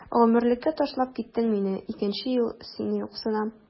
Гомерлеккә ташлап киттең мине, икенче ел сине юксынам.